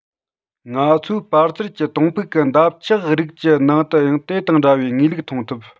ང ཚོས པར ཙེར གྱི དོང ཕུག གི འདབ ཆགས རིགས ཀྱི ནང དུ ཡང དེ དང འདྲ བའི ངེས ལུགས མཐོང ཐུབ